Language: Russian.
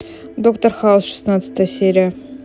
доктор хаус шестнадцатая серия